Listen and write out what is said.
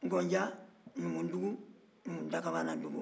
nkɔnja numudugu numudakabanadugu